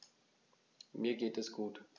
Mir geht es gut.